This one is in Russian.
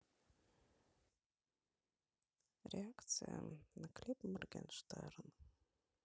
реакция на клип моргенштерн